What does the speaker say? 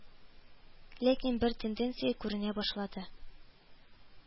Ләкин бер тенденция күренә башлады